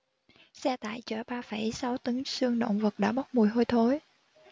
xe tải chở ba phẩy sáu tấn xương động vật đã bốc mùi hôi thối